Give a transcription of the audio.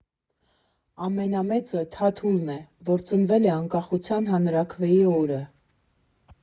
Ամենամեծը Թաթուլն է, որ ծնվել է Անկախության հանրաքվեի օրը։